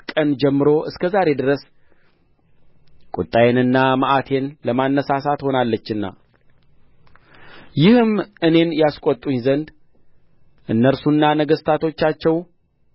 ቀን ጀምሮ እስከ ዛሬ ድረስ ቍጣዬንና መዓቴን ለማነሣሣት ሆናለችና ይህም እኔን ያስቈጡኝ ዘንድ እነርሱና ነገሥታቶቻቸው